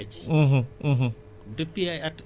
ëgg yi amoon na